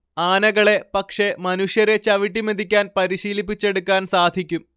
ആനകളെ പക്ഷേ മനുഷ്യരെ ചവിട്ടിമെതിക്കാൻ പരീശീലിപ്പിച്ചെടുക്കാൻ സാധിക്കും